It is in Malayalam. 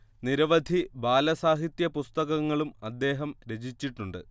നിരവധി ബാല സാഹിത്യ പുസ്തകങ്ങളും അദ്ദേഹം രചിച്ചിട്ടുണ്ട്